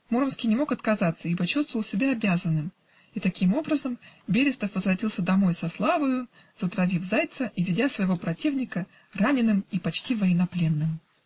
Муромский не мог отказаться, ибо чувствовал себя обязанным, и таким образом Берестов возвратился домой со славою, затравив зайца и ведя своего противника раненым и почти военнопленным.